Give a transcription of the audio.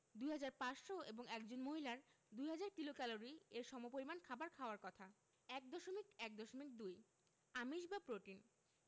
২৫০০ এবং একজন মহিলার ২০০০ কিলোক্যালরি এর সমপরিমান খাবার খাওয়ার কথা ১.১.২ আমিষ বা প্রোটিন